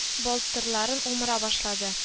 Балтырларын умыра башлады